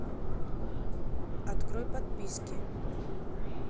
открой подписки